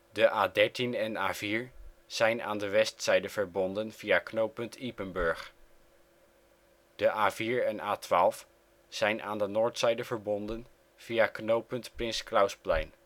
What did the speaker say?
De A13 en A4 zijn aan de westzijde verbonden via knooppunt Ypenburg. De A4 en A12 zijn aan de noordzijde verbonden via knooppunt Prins Clausplein